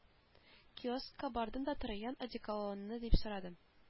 Киоскка бардым да троян одеколоны дип сорадым